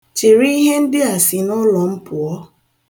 Chịrị ihe ndịa si n'ụlọ m pụọ.